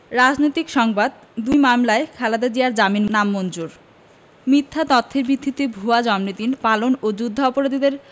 রাজনৈতিক সংবাদ দুই মামলায় খালেদা জিয়ার জামিন নামঞ্জুর মিথ্যা তথ্যের ভিত্তিতে ভুয়া জন্মদিন পালন ও যুদ্ধাপরাধীদের